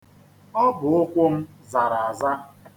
Obụụkwụ m zara aza.